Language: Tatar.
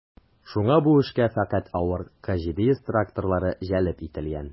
Шуңа бу эшкә фәкать авыр К-700 тракторлары җәлеп ителгән.